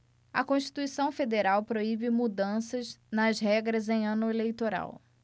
a constituição federal proíbe mudanças nas regras em ano eleitoral